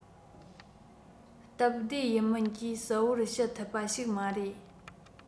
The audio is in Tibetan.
སྟབས བདེ ཡིན མིན གྱིས གསལ པོར བཤད ཐུབ པ ཞིག མ རེད